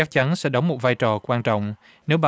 chắc chắn sẽ đóng một vai trò quan trọng nếu bà